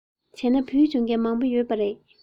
བྱས ན བོད ཡིག སྦྱོང མཁན མང པོ ཡོད པ རེད